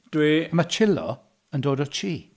Dwi-... Mae chillo yn dod o chi.